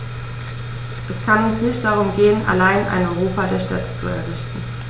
Es kann uns nicht darum gehen, allein ein Europa der Städte zu errichten.